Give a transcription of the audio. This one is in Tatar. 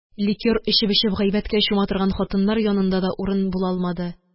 Ликёр эчеп-эчеп гайбәткә чума торган хатыннар янында да урын булалмады